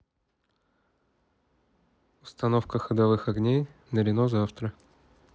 установка ходовых огней на renault завтра